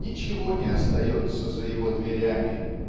ничего не остается за его дверями.